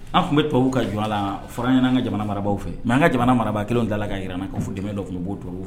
An tun bɛ tubabu ka jɔ a la fɔra an ye'an ka jamana marabagaw fɛ mɛ an ka jamana marabaa kelen in tala k ka jirana k'a fɔ dɛmɛ dɔ tun b'ooro